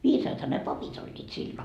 viisaathan ne papit olivat silloin